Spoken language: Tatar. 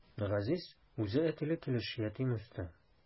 Газиз үзе әтиле килеш ятим үсте.